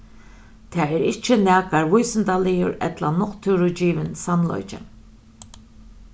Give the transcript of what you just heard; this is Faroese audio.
tað er ikki nakar vísindaligur ella náttúrugivin sannleiki